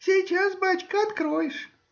— Сейчас, бачка, откроешь.